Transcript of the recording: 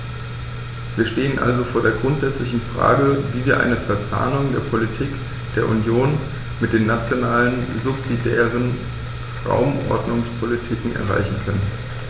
Wir stehen also vor der grundsätzlichen Frage, wie wir eine Verzahnung der Politik der Union mit den nationalen subsidiären Raumordnungspolitiken erreichen können.